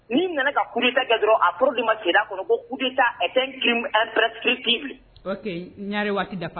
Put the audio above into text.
Ni nana ka kuruta kɛ dɔrɔn aoro de ma ci kɔnɔ ko u tɛ taa ɛtp kin fili nre waati da